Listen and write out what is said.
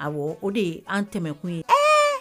A o de an tɛmɛkun ye ee